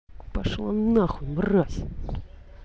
пошла нахуй мразь